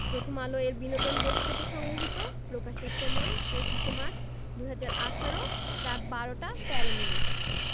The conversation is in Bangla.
প্রথমআলো এর বিনোদন ডেস্ক হতে সংগৃহীত প্রকাশের সময় ২৫মার্চ ২০১৮ রাত ১২ টা ১৩ মিনিট